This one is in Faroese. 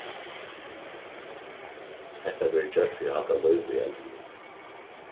hetta verður gjørt fyri at halda lív í eldinum